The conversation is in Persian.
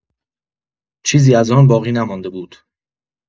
چیزی از آن باقی نمانده بود.